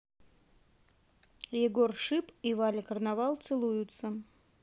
егор шип и валя карнавал целуются